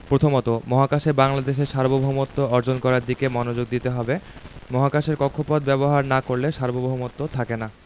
প্রথমত মহাকাশে বাংলাদেশের সার্বভৌমত্ব অর্জন করার দিকে মনোযোগ দিতে হবে মহাকাশের কক্ষপথ ব্যবহার না করলে সার্বভৌমত্ব থাকে না